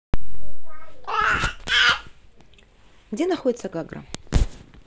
где находится гагра